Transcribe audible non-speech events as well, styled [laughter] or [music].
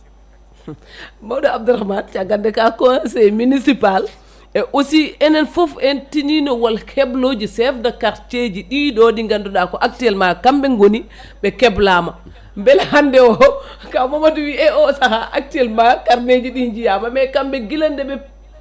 [hesitation] mawɗo Abdourahmane caggal nde ka conseillé municipal e aussi enen foof en tinino wol hebloji chef de quartier ji ɗiɗo ɗi ganduɗa ko actuellement kamɓe gooni ɓe keblama beele hande o [laughs] kaw Mamadou wi o saaha actuellement carnet jiɗi jiyama mais kamɓe guila deeɓe